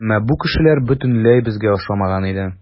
Әмма бу кешеләр бөтенләй безгә охшамаган иде.